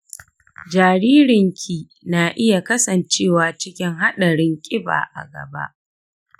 jaririn ki na iya kasancewa cikin haɗarin ƙiba a gaba.